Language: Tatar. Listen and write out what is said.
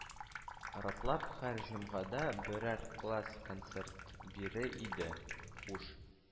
Ратлап, һәр җомгада берәр класс концерт бирә иде, «хуш,